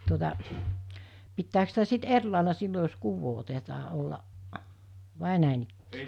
tuota pitääkö sitä sitten eri lailla silloin jos kuvaa otetaan olla vai näinikään